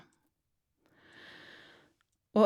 Og...